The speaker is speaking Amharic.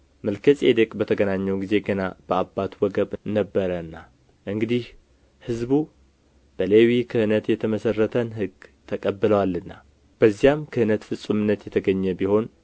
መልከ ጼዴቅ በተገናኘው ጊዜ ገና በአባቱ ወገብ ነበረና እንግዲህ ህዝቡ በሌዊ ክህነት የተመሠረተን ሕግ ተቀብለዋልና በዚያ ክህነት ፍጹምነት የተገኘ ቢሆን